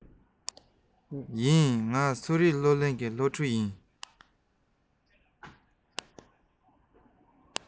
ཡིན ང གསོ རིག སློབ གླིང གི སློབ ཕྲུག ཡིན